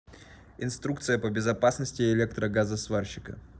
инструкция по безопасности электрогазосварщика